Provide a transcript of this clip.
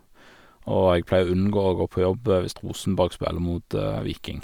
Og jeg pleier unngå å gå på jobb hvis Rosenborg spiller mot Viking.